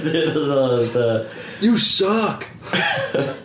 A wedyn odd o fatha... You suck...